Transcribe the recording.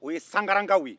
o ye sankarankaw ye